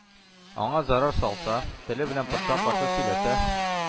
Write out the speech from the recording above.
Аңа зарар салса, теле белән патшага каршы сөйләсә,